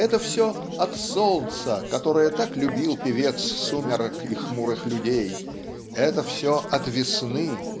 Это все - от солнца, которое так любил певец сумерек и хмурых людей. Это все от весны